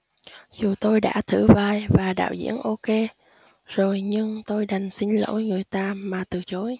dù tôi đã thử vai và đạo diễn ok rồi nhưng tôi đành xin lỗi người ta mà từ chối